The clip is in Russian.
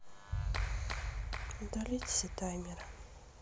удалить все таймеры